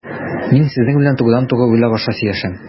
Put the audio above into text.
Мин синең белән турыдан-туры уйлар аша сөйләшәм.